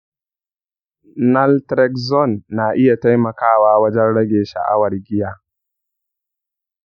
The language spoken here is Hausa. naltrexone na iya taimakawa wajen rage sha’awar giya.